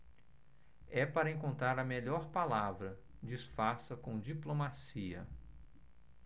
é para encontrar a melhor palavra disfarça com diplomacia